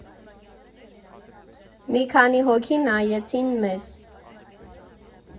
Մի քանի հոգի նայեցին մեզ։